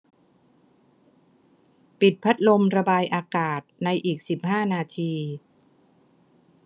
ปิดพัดลมระบายอากาศในอีกสิบห้านาที